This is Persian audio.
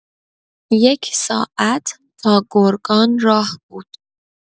یک ساعت تا گرگان راه بود.